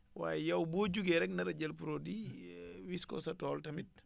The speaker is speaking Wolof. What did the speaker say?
waaye yow boo jugee rek nar a jël produit wis ko sa tool tamit